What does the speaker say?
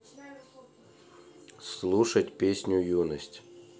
слушать песню юность